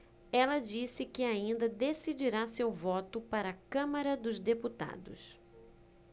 ela disse que ainda decidirá seu voto para a câmara dos deputados